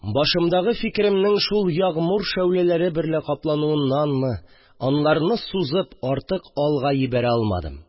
Башымдагы фикеремнең шул ягъмур шәүләләре берлә каплануыннанмы, аларны сузып, артык алга йибәрә алмадым